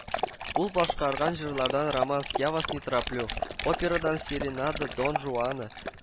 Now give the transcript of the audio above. Ул башкарган җырлардан романс “Я вас не тороплю”, операдан “серенада Дон Жуана”